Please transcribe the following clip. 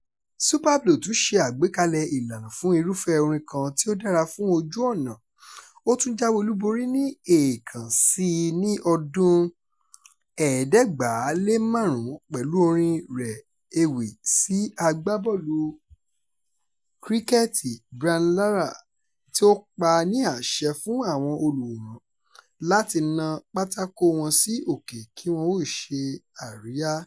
Super Blue tí ṣe àgbékalẹ̀ ìlànà fún irúfẹ́ orin kan tí ó dára fún ojú ọ̀nà: ó tún jáwé olúborí ní èèkàn sí i ní ọdún-un 1995 pẹ̀lú orin-in rẹ̀ ewì sí agbábọ́ọ̀lù kríkẹ́ẹ̀tì Brian Lara, tí ó pa á ní àṣẹ fún àwọn olùwòran láti "na pátákóo wọn sí òkè kí wọn ó ṣe àríyá".